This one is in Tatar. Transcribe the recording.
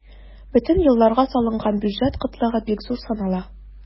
Бөтен елларга салынган бюджет кытлыгы бик зур санала.